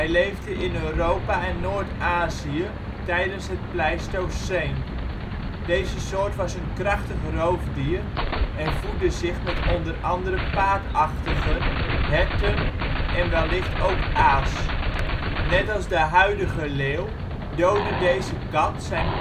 leefde in Europa en Noord-Azië tijdens het Pleistoceen. Deze soort was een krachtig roofdier en voedde zich met onder andere paardachtigen, herten en wellicht ook aas. Net als de huidige leeuw doodde deze kat zijn